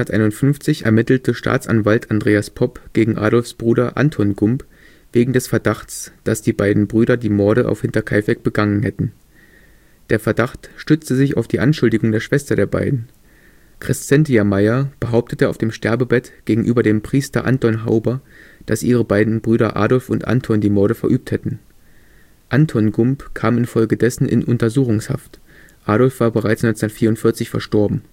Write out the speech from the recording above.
1951 ermittelte Staatsanwalt Andreas Popp gegen Adolfs Bruder Anton Gump wegen des Verdachtes, dass die beiden Brüder die Morde auf Hinterkaifeck begangen hätten. Der Verdacht stützte sich auf die Anschuldigung der Schwester der beiden. Kreszentia Mayer behauptete auf dem Sterbebett gegenüber dem Priester Anton Hauber, dass ihre beiden Brüder Adolf und Anton die Morde verübt hätten. Anton Gump kam infolgedessen in Untersuchungshaft, Adolf war bereits 1944 verstorben